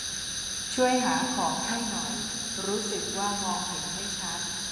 ช่วยหาของให้หน่อยรู้สึกว่ามองเห็นไม่ชัด